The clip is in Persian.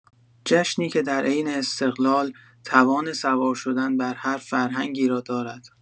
جشنی که در عین استقلال توان سوار شدن بر هر فرهنگی را دارد.